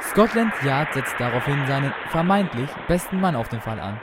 Scotland Yard setzt daraufhin seinen – vermeintlich – besten Mann auf den Fall an: